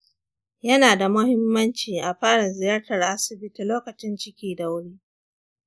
yana da muhimmanci a fara ziyartar asibiti lokacin ciki da wuri.